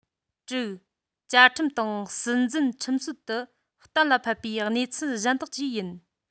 དྲུག བཅའ ཁྲིམས དང སྲིད འཛིན ཁྲིམས སྲོལ དུ གཏན ལ ཕབ པའི གནས ཚུལ གཞན དག བཅས ཡིན